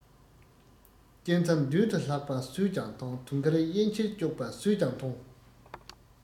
རྐྱེན རྩ མདུན དུ ལྷག པ སུས ཀྱང མཐོང དུང དཀར གཡས འཁྱིལ གཅོག པ སུས ཀྱང མཐོང